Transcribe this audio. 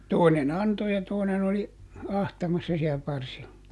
toinen antoi ja toinen oli ahtamassa siellä parsilla